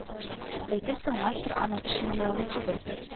Әйтерсең мастер аның эшеннән разый түгел